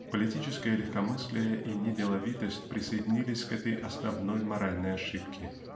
Политическое легкомыслие и неделовитость присоединились к этой основной моральной ошибке.